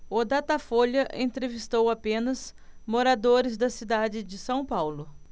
o datafolha entrevistou apenas moradores da cidade de são paulo